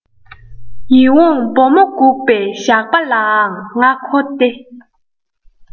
ཡིད འོང བུ མོ འགུགས པའི ཞགས པ ལའང ང མཁོ སྟེ